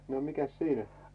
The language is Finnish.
no mikäs siinä